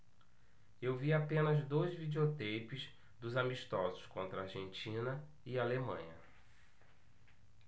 eu vi apenas dois videoteipes dos amistosos contra argentina e alemanha